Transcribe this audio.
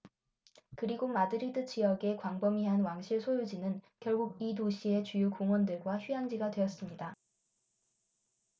그리고 마드리드 지역의 광범위한 왕실 소유지는 결국 이 도시의 주요 공원들과 휴양지가 되었습니다